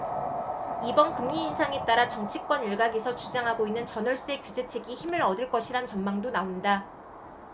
이번 금리인상에 따라 정치권 일각에서 주장하고 있는 전월세 규제책이 힘을 얻을 것이란 전망도 나온다